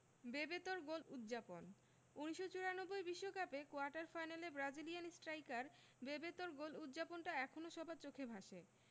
বেবেতোর গোল উদ্ যাপন ১৯৯৪ বিশ্বকাপে কোয়ার্টার ফাইনালে ব্রাজিলিয়ান স্ট্রাইকার বেবেতোর গোল উদ্ যাপনটা এখনো সবার চোখে ভাসে